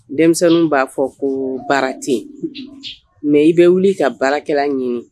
Denmisɛnw b'a fɔ ko baara ten nka i bɛ wuli ka baarakɛla ɲini